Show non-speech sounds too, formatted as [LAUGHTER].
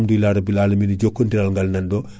[NOISE] ɓenne kaadi gaddi ballal mumen